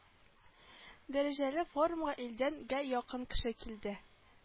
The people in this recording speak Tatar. Дәрәҗәле форумга илдән гә якын кеше килде